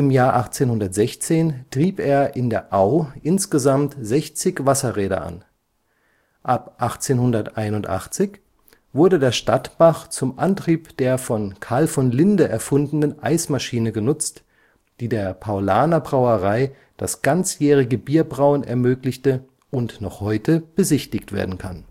Jahr 1816 trieb er in der Au insgesamt 60 Wasserräder an. Ab 1881 wurde der Stadtbach zum Antrieb der von Carl von Linde erfundenen Eismaschine genutzt, die der Paulaner Brauerei das ganzjährige Bierbrauen ermöglichte und noch heute besichtigt werden kann